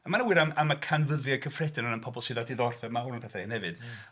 Mae hynna'n wir am am y canfyddiad cyffredin o ran pobl sydd â ddiddordeb mawr yn pethau hefyd.